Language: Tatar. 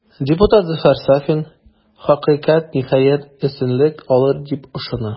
Депутат Зөфәр Сафин, хакыйкать, ниһаять, өстенлек алыр, дип ышана.